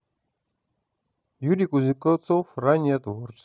юрий кузнецов раннее творчество